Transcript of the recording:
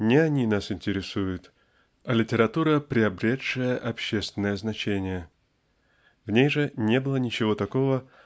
Не они нас интересуют, а литература, приобретшая общественное значение в ней же не было ничего такого